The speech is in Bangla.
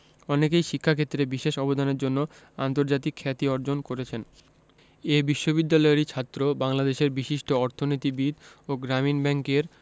অনেকেই শিক্ষাক্ষেত্রে বিশেষ অবদানের জন্য আন্তর্জাতিক খ্যাতি অর্জন করেছেন এ বিশ্ববিদ্যালয়েরই ছাত্র বাংলাদেশের বিশিষ্ট অর্থনীতিবিদ ও গ্রামীণ ব্যাংকের